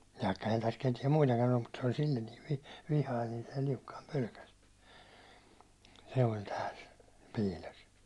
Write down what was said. vaikka eihän tässä ketään muitakaan ollut mutta se oli sille niin - vihainen niin se Liukkanen pelkäsi se oli täällä piilossa